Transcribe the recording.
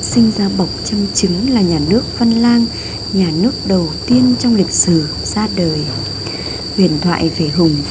sinh ra bọc trăm trứng là nhà nước văn lang nhà nước đầu tiên trong lịch sử ra đời huyền thoại về hùng vương